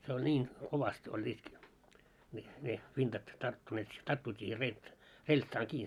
se oli niin kovasti olleet millä ne vintat tarttuneet tarttuivat siihen - reltsaan kiinni